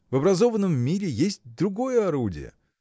В образованном мире есть другое орудие.